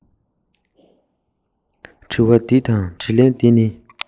དྲི བ འདི དང དྲིས ལན འདི ནི